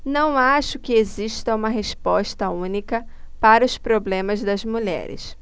não acho que exista uma resposta única para os problemas das mulheres